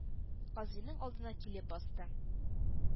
Казыйның алдына килеп басты.